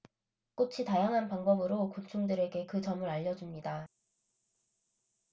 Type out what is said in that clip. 꽃이 다양한 방법으로 곤충들에게 그 점을 알려 줍니다